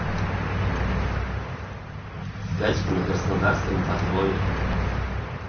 скачки на краснодарском ипподроме